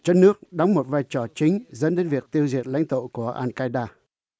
cho nước đóng một vai trò chính dẫn đến việc tiêu diệt lãnh thổ của an kai đa